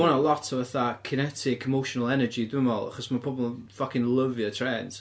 Ma' hwnna'n lot o fatha kinetic emotional energy, dwi'n meddwl, achos ma' pobl yn ffocin lyfio trêns.